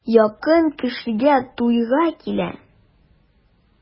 Якын кешегә туйга килә.